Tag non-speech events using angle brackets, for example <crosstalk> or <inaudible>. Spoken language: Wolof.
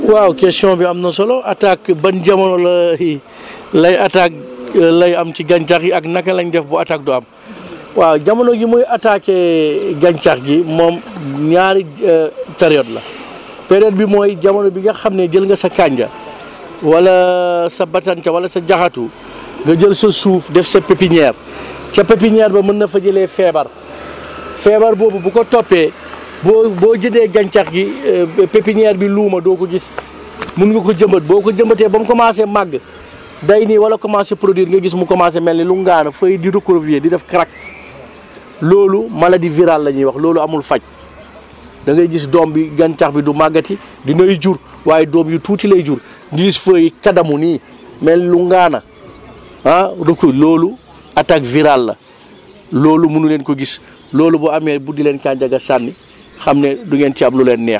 waaw question bi am na solo attaque ban jamono la <hesitation> lay attaque <hesitation> lay am ci gàncax gi ak naka lañ def ba attaque du am <breath> waaw jamono ju muy attaquer <hesitation> gàncax gi moom ñaari <hesitation> période la période bi mooy jamono bi nga xam ne jël nga sa kànja <noise> wala <hesitation> sa batante wala sa jaxatu <noise> nga jël sa suuf def sa pépinière <noise> sa pépinière ba mën na fa jëlee feebar <noise> feebar boobu bu ko toppee <noise> boo boo jëndee gàncax gi <hesitation> pépinière bi luuma doo ko gis <noise> mun nga ko jëmbat boo ko jëmbatee ba mu commencé màgg <noise> day nii wala commencé produire nga gis mu commencé mel ni lu ngaana feuilles yi di di def crac <noise> loolu maladie virale la ñuy wax loolu amul faj <noise> da ngay gis doom bi gàncax bi du màggati dinay jur waaye doom yu tuuti lay jur nga gis feuille yi kadamu nii mel ni lu ngaana <noise> ah recro loolu attaque virale la loolu mënu leen ko gis loolu bu amee buddi leen kànja ga sànni xam ne du ngee ci am lu leen neex